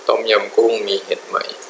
ต้มยำกุ้งมีเห็ดไหม